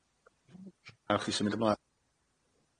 Awch i symud ymlan.